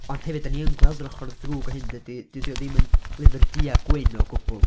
Ond hefyd dan ni yn gweld yr ochr ddrwg o hyn, dydy, dydy o ddim yn lyfr du a gwyn o gwbl.